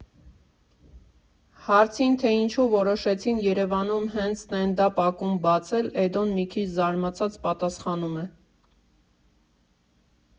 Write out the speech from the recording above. Հարցին, թե ինչու որոշեցին Երևանում հենց ստենդափ ակումբ բացել, Էդոն մի քիչ զարմացած պատասխանում է։